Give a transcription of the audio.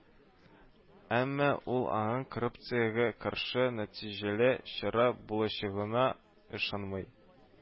Әмма ул аның коррупциягә каршы нәтиҗәле чара булачагына ышанмый